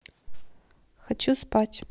хочу спать